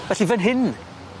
Felly fyn hyn?